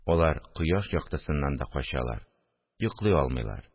Алар кояш яктысыннан да качалар, йоклый алмыйлар